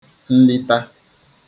nlita